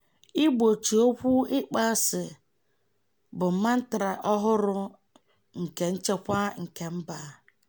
Igbochi okwu ịkpọasị bụ mantra ọhụrụ nke nchekwa kemba